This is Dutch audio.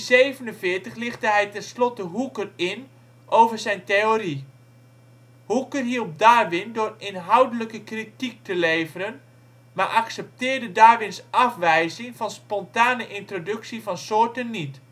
1847 lichtte hij tenslotte Hooker in over zijn theorie. Hooker hielp Darwin door inhoudelijke kritiek te leveren, maar accepteerde Darwins afwijzing van spontane introductie van soorten niet